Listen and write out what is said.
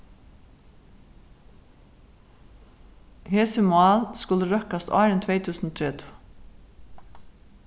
hesi mál skulu røkkast áðrenn tvey túsund og tretivu